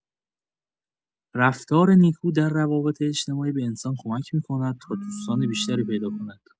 رفتار نیکو در روابط اجتماعی به انسان کمک می‌کند تا دوستان بیشتری پیدا کند.